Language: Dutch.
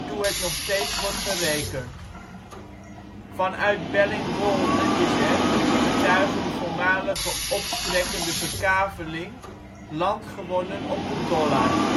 het nog steeds wordt gerekend. Vanuit Bellingwolde is er, getuige de voormalige opstrekkende verkaveling land gewonnen op de Dollard